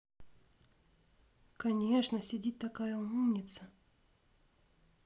конечно сидит такая умница